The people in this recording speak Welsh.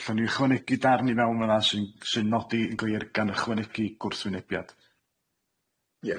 So allan ni ychwanegu darn i fewn fan'na sy'n sy'n nodi yn glir gan ychwanegu gwrthwynebiad.